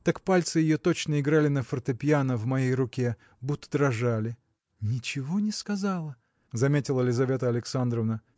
так пальцы ее точно играли на фортепьяно в моей руке. будто дрожали. – Ничего не сказала! – заметила Лизавета Александровна.